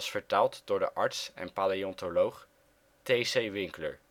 vertaald door de arts en paleontoloog T. C. Winkler